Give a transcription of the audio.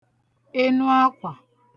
enu akwà